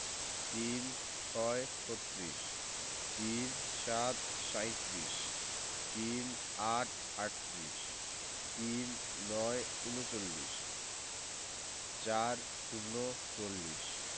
৩৬ - ছত্রিশ ৩৭ - সাঁইত্রিশ ৩৮ - আটত্রিশ ৩৯ - ঊনচল্লিশ ৪০ - চল্লিশ